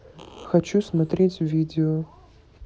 хочу смотреть видео